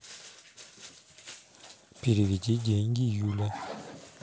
переведи деньги юле